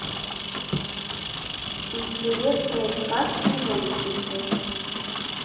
интересные сказки мультики